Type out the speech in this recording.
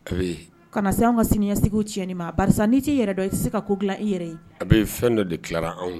Abi, kana se anw ka siniɲɛsigiw tiɲɛni ma barisa n'i t'i yɛrɛ dɔn i tɛ se ka ko dilan i yɛrɛ ye Abi fɛn dɔ de tilara anw